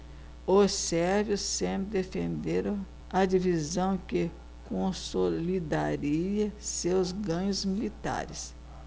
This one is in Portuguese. os sérvios sempre defenderam a divisão que consolidaria seus ganhos militares